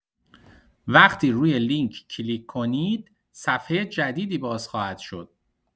وقتی روی لینک کلیک کنید، صفحه جدیدی باز خواهد شد.